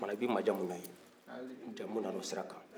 o kumana i bɛ majamu ni o ye jamu na na o sira kan